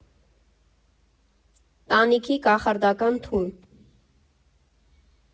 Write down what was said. Տանիքի կախարդական թուրմ։